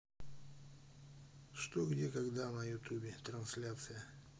что где когда на ютубе трансляция